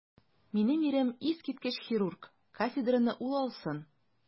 Минем ирем - искиткеч хирург, кафедраны ул алсын.